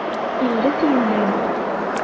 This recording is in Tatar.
Илле тиеннән.